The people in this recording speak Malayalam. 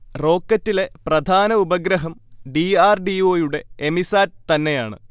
റോക്കറ്റിലെ പ്രധാന ഉപഗ്രഹം ഡി. ആർ. ഡി. ഓ. യുടെ എമിസാറ്റ് തന്നെയാണ്